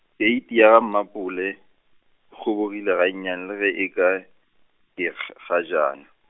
keiti ya ga Mapule, kgobogile ga nnyane le ge e ka, ke kg- kgajana.